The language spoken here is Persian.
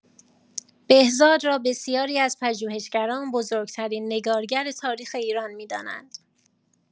بهزاد را بسیاری از پژوهشگران بزرگ‌ترین نگارگر تاریخ ایران می‌دانند.